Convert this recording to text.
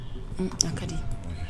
Yan ka di